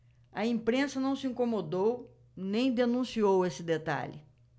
a imprensa não se incomodou nem denunciou esse detalhe